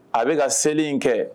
A bɛ ka seli in kɛ